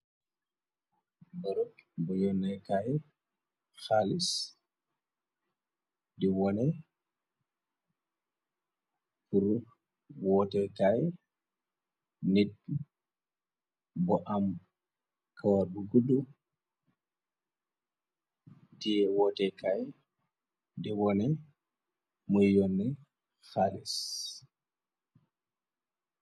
Bërëb bu yonne kaay xaalis di wone fru woote kaay nit bu am kawar bu gudd ti wootekaay di wone muy yonne xaalis.